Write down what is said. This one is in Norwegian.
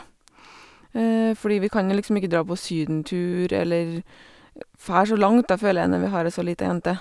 Fordi vi kan jo liksom ikke dra på sydentur eller fær så langt, da, føler jeg, når vi har ei så lita jente.